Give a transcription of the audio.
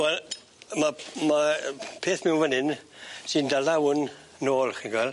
Wel ma' ma' yy peth miwn fyn 'yn sy'n dala 'wn nôl chi'n gwel'?